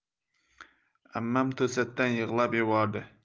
ammam to'satdan yig'lab yubordi